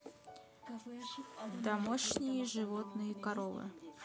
домашние животные коровы